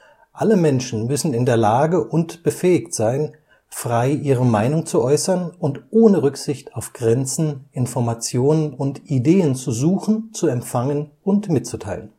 Alle Menschen müssen in der Lage und befähigt sein, frei ihre Meinung zu äußern und ohne Rücksicht auf Grenzen, Informationen und Ideen zu suchen, zu empfangen und mitzuteilen